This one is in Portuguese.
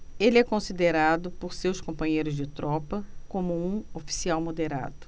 ele é considerado por seus companheiros de tropa como um oficial moderado